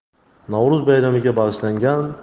navro'z bayramiga bag'ishlangan